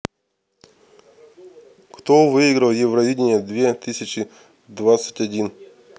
кто выиграл евровидение две тысячи двадцать один